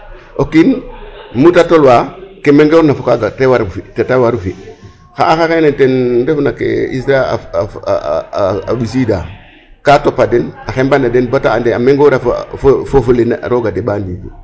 Kaaga jeg solo trop o kiin nu te tolwa ke mbegoorna fo kaaga ta waru fi' xa ax axene refna ke IZRA a a ɓisiida kaa topaa den a xeɓanan a den bota ande a mengora fo fo foof lene roog a deɓaa ndiiki.